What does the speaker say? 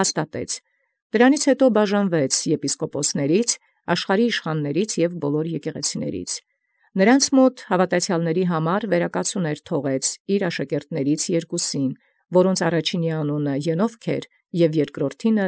Յետ այնորիկ հրաժարեալ յեպիսկոպոսաց, յիշխանաց աշխարհին և յամենայն եկեղեցեաց. առ որս թողեալ վերակացուս հաւատացելոցն՝ զերկուս ոմանս յիւրոց աշակերտացն, որոց առաջնոյն Ենովք անուն էր, և երկրորդին։